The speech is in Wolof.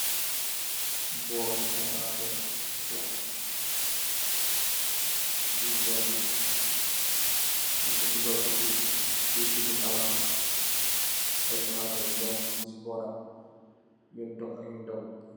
Booli tamatè lohuti, ci biir bool bi nung fa dugal kuddu bi tubu tamatè. Ay tamatè yu doom nung ci boram yun dug ak yun dugut.